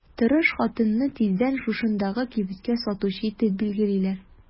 Тырыш хатынны тиздән шушындагы кибеткә сатучы итеп билгелиләр.